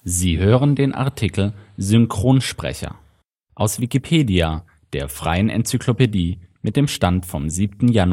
Sie hören den Artikel Synchronsprecher, aus Wikipedia, der freien Enzyklopädie. Mit dem Stand vom Der